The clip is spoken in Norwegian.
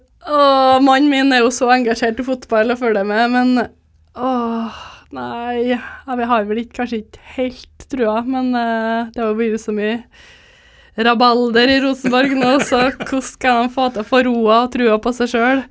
å mannen min er jo så engasjert i fotball og følger med men å nei jeg vi har vel ikke kanskje ikke helt trua men det har jo blitt så mye rabalder i Rosenborg nå så hvordan kan dem få til å få roa og trua på seg sjøl?